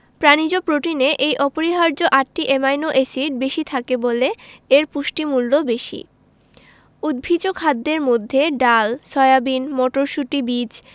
প্রাণিজ প্রোটিনে এই অপরিহার্য আটটি অ্যামাইনো এসিড বেশি থাকে বলে এর পুষ্টিমূল্য বেশি উদ্ভিজ্জ খাদ্যের মধ্যে ডাল সয়াবিন মটরশুটি বীজ